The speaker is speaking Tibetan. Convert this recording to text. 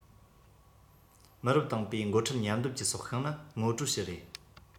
མི རབས དང པོའི འགོ ཁྲིད མཉམ སྡེབ ཀྱི སྲོག ཤིང ནི མའོ ཀྲུའུ ཞི རེད